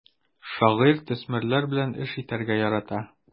Шагыйрь төсмерләр белән эш итәргә ярата.